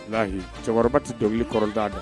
Walahi cɛkɔrɔba tɛ donkili kɔrɔ tan dɔn.